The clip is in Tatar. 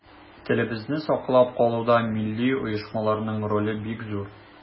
Телебезне саклап калуда милли оешмаларның роле бик зур.